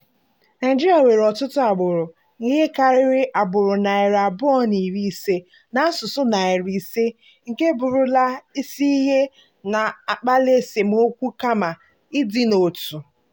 Naịjirịa nwere ọtụtụ agbụrụ- ihe karịrị agbụrụ 250 na asụsụ 500 - nke bụrụla isi ihe na-akpalị esemokwu kama ịdị n'otu.